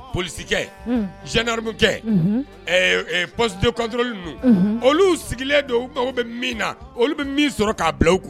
Psikɛ sigamukɛ psisoun olu sigilen don mago bɛ min na olu bɛ min sɔrɔ k' bila u kun